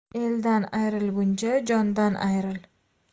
eldan ayrilguncha jondan ayril